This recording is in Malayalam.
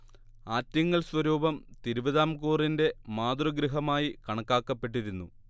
ആറ്റിങ്ങൽ സ്വരൂപം തിരുവിതാംകൂറിന്റെ മാതൃഗൃഹമായി കണക്കാക്കപ്പെട്ടിരുന്നു